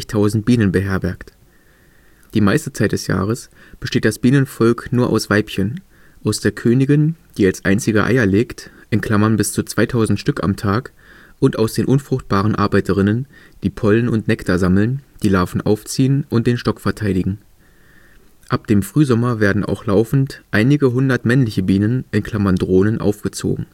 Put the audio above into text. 60.000 Bienen beherbergt. Die meiste Zeit des Jahres besteht das Bienenvolk nur aus Weibchen: aus der Königin, die als einzige Eier legt (bis zu 2000 Stück am Tag), und aus den unfruchtbaren Arbeiterinnen, die Pollen und Nektar sammeln, die Larven aufziehen und den Stock verteidigen. Ab dem Frühsommer werden auch laufend einige hundert männliche Bienen (Drohnen) aufgezogen